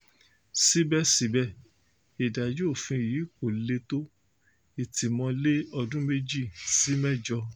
Síbẹ̀síbẹ̀, ìdájọ́ òfin yìí kò le tó, ìtìmọ́lé ọdún méjì sí mẹ́jọ.